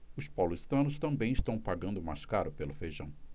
os paulistanos também estão pagando mais caro pelo feijão